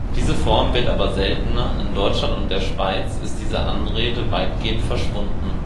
Diese Form wird aber seltener, in Deutschland und in der Schweiz ist diese Anrede weitgehend verschwunden